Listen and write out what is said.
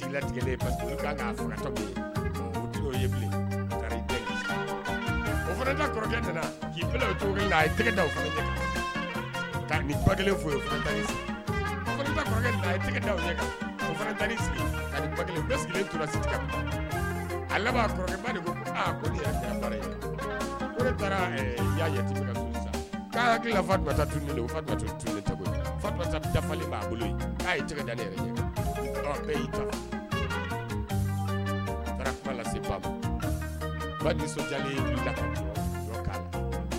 Kɔrɔkɛ ba a kɔrɔkɛ hakili fa